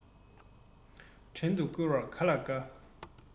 བྲན དུ བཀོལ བར ག ལ དཀའ